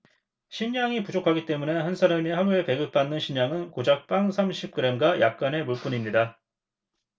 식량이 부족하기 때문에 한 사람이 하루에 배급받는 식량은 고작 빵 삼십 그램과 약간의 물뿐입니다